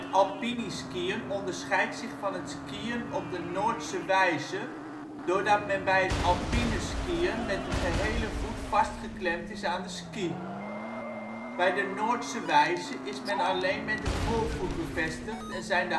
alpineskiën onderscheidt zich van het skiën op de Noordse wijze doordat men bij het alpineskiën met de gehele voet vast geklemd is aan de ski. Bij de Noordse wijze is men alleen met de voorvoet bevestigd en zijn